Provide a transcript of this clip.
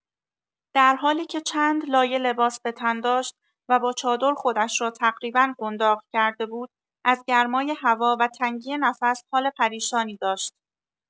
در حالی که چندلایه لباس‌به‌تن داشت و با چادر خودش را تقریبا قنداق کرده بود، از گرمای هوا و تنگی نفس حال پریشانی داشت.